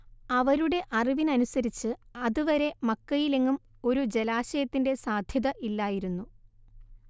അവരുടെ അറിവിനനുസരിച്ച് അത് വരെ മക്കയിലെങ്ങും ഒരു ജലാശയത്തിന്റെ സാധ്യത ഇല്ലായിരുന്നു